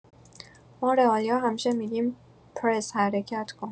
ما رئالیا همیشه می‌گیم پرز حرکت کن